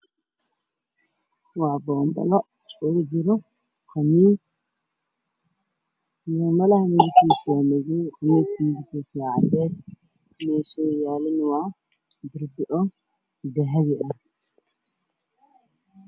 Waa boonbale oo ku jira qamiis muumulaha midab kiisu waa madow miiskisu waa cadeys meesha uu yaalana waa darbi dahabi ah